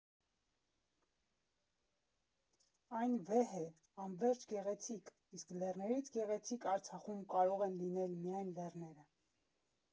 Այն վեհ է, անվերջ գեղեցիկ, իսկ լեռներից գեղեցիկ Արցախում կարող են լինել միայն լեռները։